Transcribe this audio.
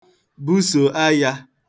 busò ayā